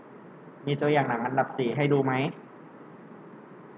มีตัวอย่างหนังอันดับสี่ให้ดูไหม